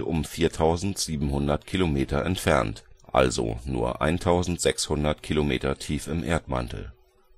4.700 km entfernt – also nur 1.600 km tief im Erdmantel.